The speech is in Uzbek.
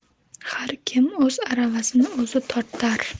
har kim o'z aravasini o'zi tortar